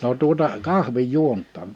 no tuota kahvin juontiin